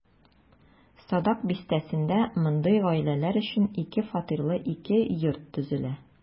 Садак бистәсендә мондый гаиләләр өчен ике фатирлы ике йорт төзелә.